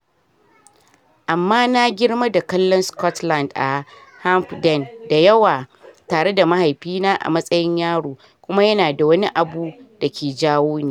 "Amma na girma da kallon Scotland a Hampden da yawa tare da mahaifina a matsayin yaro, kuma yana da wani abu da ke jawoni.